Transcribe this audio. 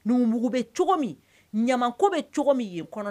Numubugu bɛ cogo min ɲaman ko bɛ cogo min yen kɔnɔ